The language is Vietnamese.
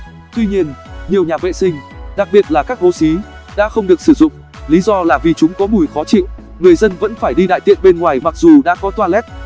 tuy nhiên nhiều nhà vệ sinh đặc biệt là các hố xí đã không được sử dụng lý do là vì chúng có mùi khó chịu người dân vẫn phải đi đại tiện bên ngoài mặc dù đã có toilet